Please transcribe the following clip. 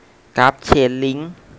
กราฟเชนลิ้ง